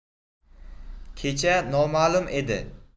kecha noma'lum edi